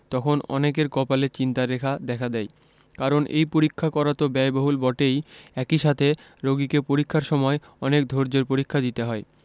তখন অনেকের কপালে চিন্তার রেখা দেখা দেয় কারণ এই পরীক্ষা করা তো ব্যয়বহুল বটেই একই সাথে রোগীকে পরীক্ষার সময় অনেক ধৈর্য্যের পরীক্ষা দিতে হয়